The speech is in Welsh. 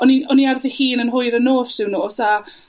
O'n i, o'n i ar ddihun yn hwyr y nos rhyw nos, a